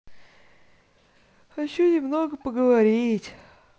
хочу немного поговорить